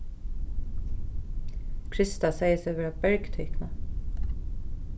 krista segði seg vera bergtikna